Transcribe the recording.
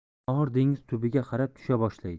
oxiri dengiz tubiga qarab tusha boshlaydi